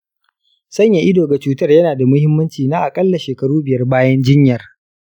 sanya ido ga cutar yana da muhimmanci na akalla shekaru biyar bayan jinyar.